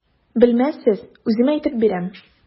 Белмәссез, үзем әйтеп бирәм.